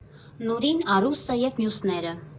Նուրին, Արուսը և մյուսները։